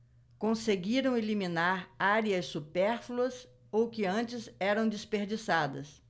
conseguiram eliminar áreas supérfluas ou que antes eram desperdiçadas